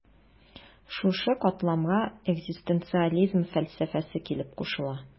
Шушы катламга экзистенциализм фәлсәфәсе килеп кушыла.